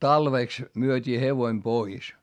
talveksi myytiin hevonen pois